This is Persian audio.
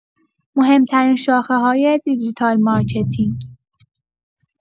مهم‌ترین شاخه‌های دیجیتال مارکتینگ